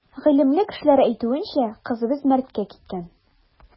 Гыйлемле кешеләр әйтүенчә, кызыбыз мәрткә киткән.